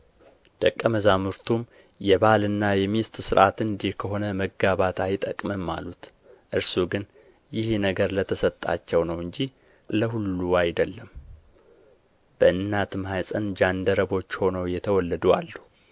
ደቀ መዛሙርቱም የባልና የሚስት ሥርዓት እንዲህ ከሆነ መጋባት አይጠቅምም አሉት እርሱ ግን ይህ ነገር ለተሰጣቸው ነው እንጂ ለሁሉ አይደለም በእናት ማኅፀን ጃንደረቦች ሆነው የተወለዱ አሉ